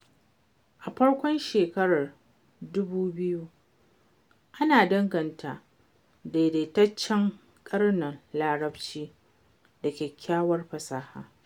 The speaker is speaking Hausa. A farkon shekarar 2000, ana danganta daidaitaccen karnin Larabaci da 'kyakkyawar' fasaha.